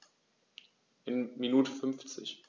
Eine Minute 50